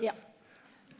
ja.